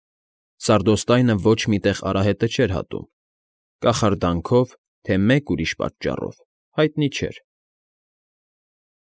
Սարդոստայնը ոչ մի տեղ արահետև չէր հատում՝ կախարդանքով, թե մեկ ուրիշ պատճառով, հայտնի չէր։